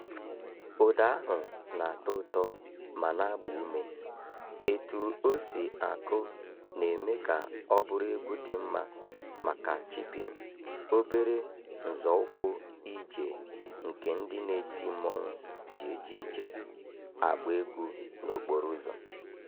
Ụda ahụ na-atọ ụtọ ma na-agba ume, etu o si akụ na-eme ka ọ bụrụ egwu dị mma maka "chipịn" (obere nzọụkwụ ije nke ndị na-eti mmọnwụ ji eje ije/agba egwu n'okporo ụzọ).